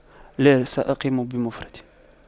لا سأقيم بمفردي